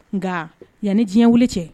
Nka yanni diɲɛ wuli cɛ